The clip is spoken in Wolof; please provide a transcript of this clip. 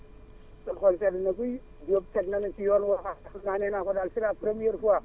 seen xol sedd na guy Diop teg na nu si yoon woo xam ne nee naa ko daal c' est la première fois